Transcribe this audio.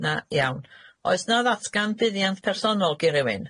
Na? Iawn. Oes 'na ddatgan buddiant personol gin rywun?